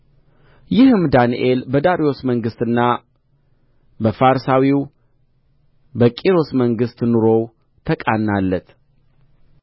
ይህም ዳንኤል በዳርዮስ መንግሥትና በፋርሳዊው በቂሮስ መንግሥት ኑሮው ተቃናለት